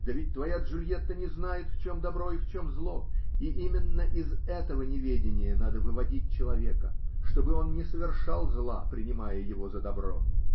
Да ведь твоя Джульетта не знает, в чем добро и в чем зло, и именно из этого неведения надо выводить человека, чтобы он не совершал зла, принимая его за добро!